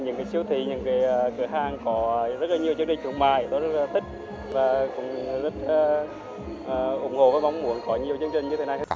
những cái siêu thị những cái cửa hàng có rất là nhiều chương trình khuyến mại tích và cũng rất ủng hộ và mong muốn có nhiều chương trình như thế này